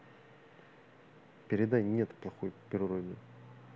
передай нет плохой природы